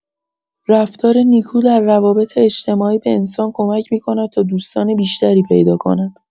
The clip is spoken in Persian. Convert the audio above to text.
رفتار نیکو در روابط اجتماعی به انسان کمک می‌کند تا دوستان بیشتری پیدا کند.